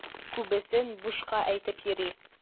Күбесен бушка әйтеп йөри.